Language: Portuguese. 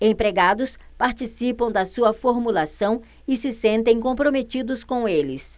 empregados participam da sua formulação e se sentem comprometidos com eles